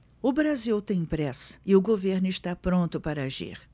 o brasil tem pressa e o governo está pronto para agir